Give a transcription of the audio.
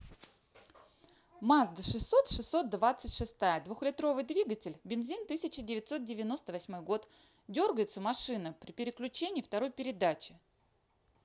мазда шестьсот шестьсот двадцать шестая двухлитровый двигатель бензин тысяча девятьсот девяносто восьмой год дергается машина при переключении второй передачи